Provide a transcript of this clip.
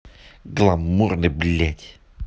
гламурный блядь